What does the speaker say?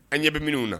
An ɲɛ bɛ minnu na